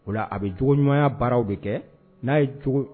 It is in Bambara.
O a bɛ cogo ɲumanya baaraw de kɛ n'a ye jo